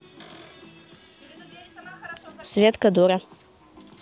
светка дура